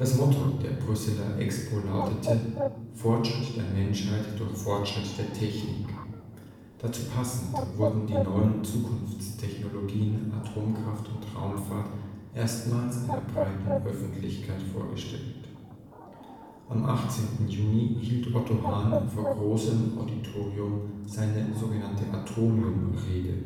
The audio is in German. Motto der Brüsseler Expo lautete „ Fortschritt der Menschheit durch Fortschritt der Technik “, dazu passend wurden die neuen Zukunftstechnologien Atomkraft und Raumfahrt erstmals einer breiteren Öffentlichkeit vorgestellt. Am 18. Juni hielt Otto Hahn vor großem Auditorium seine sogenannte „ Atomium-Rede